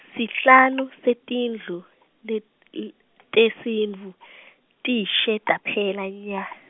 sihlanu setindlu let- l- tesintfu tishe taphela nya.